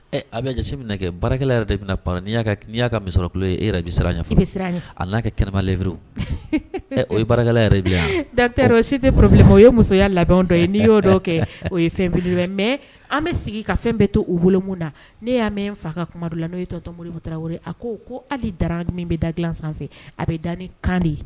A bɛsi min na kɛ barakɛ yɛrɛ de bɛnai'a musokɔrɔbasɔrɔlo ye e yɛrɛ bɛ siran a n'a ka kɛnɛmalɛri o ye yɛrɛ datɛ site poropile o ye musoya labɛndɔ ye n'i y'o kɛ o ye fɛnele mɛ an bɛ sigi ka fɛn bɛɛ to u wolo min na ne y'a mɛn n fa ka kuma don la n'o ye tɔtɔmota a ko ko hali dara min bɛ da dila sanfɛ a bɛ da ni kan di